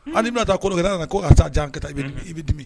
Hali ni bɛna taa ko dɔ kɛ i b'a fɔ ko a taa jan ka ta i bɛ dimi